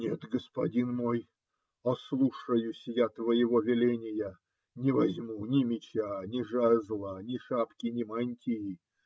Нет, господин мой, ослушаюсь я твоего веления, не возьму ни меча, ни жезла, ни шапки, ни мантии.